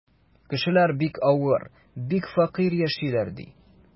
Кешеләр бик авыр, бик фәкыйрь яшиләр, ди.